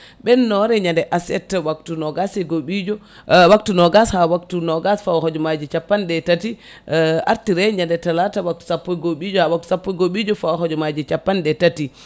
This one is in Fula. ɓennore ñande aset wabtu nogas e gohoɓijo wabtu nogas ha wabtu nogas fawa hojomaji capanɗe tati artire ñande talata wabtu sappo e gohoɓijo ha wabtu sappo e gohoɓijo fawa hojomaji capanɗe tati